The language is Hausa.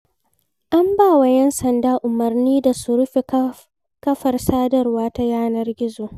An ba wa 'yan sanda umarnin da su rufe kafar sadarwa ta yanar gizon.